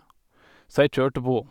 Så jeg kjørte på.